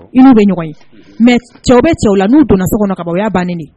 I'u bɛ ɲɔgɔn mɛ cɛw bɛ cɛw n'u donna so kɔnɔ ka bɔya bannen